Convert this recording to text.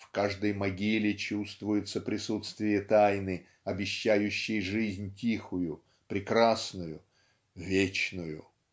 в каждой могиле чувствуется присутствие тайны обещающей жизнь тихую прекрасную вечную".